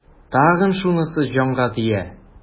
Тагын шунысы җанга тия.